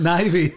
Na i fi!